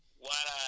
dàq rek